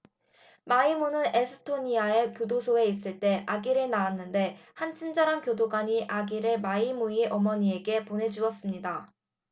마이무는 에스토니아의 교도소에 있을 때 아기를 낳았는데 한 친절한 교도관이 아기를 마이무의 어머니에게 보내 주었습니다